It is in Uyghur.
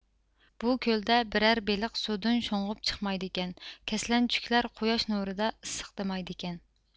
بۇ كۆلدە بىرەر بېلىق سۇدىن شۇڭغۇپ چىقمايدىكەن كەسلەنچۈكلەر قۇياش نۇرىدا ئىسسىقدىمايدىكەن